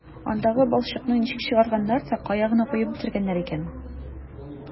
Андагы балчыкны ничек чыгарганнар да кая гына куеп бетергәннәр икән...